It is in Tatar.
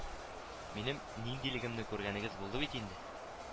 Минем ниндилегемне күргәнегез булды бит инде